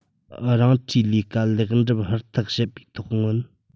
རང འཁྲིའི ལས ཀ ལེགས འགྲུབ ཧུར ཐག བྱེད པའི ཐོག མངོན